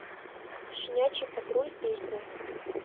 щенячий патруль песня